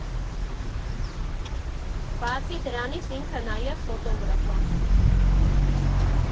Բացի դրանից, ինքը նաև ֆոտոգրաֆ ա։